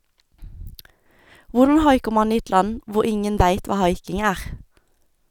Hvordan haiker man i et land hvor ingen veit hva haiking er?